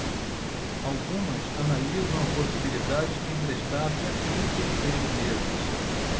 algumas analisam a possibilidade de emprestar até trinta e seis meses